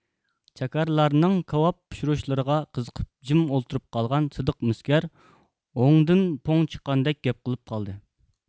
چاكارلارنىڭ كاۋاپ پىشۇرۇشلىرىغا قىزىقىپ جىم ئولتۇرۇپ قالغان سىدىق مىسكەر ھوڭدىن پوڭ چىققاندەك گەپ قىلىپ قالدى